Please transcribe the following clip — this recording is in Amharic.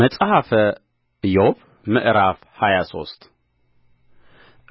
መጽሐፈ ኢዮብ ምዕራፍ ሃያ ሶስት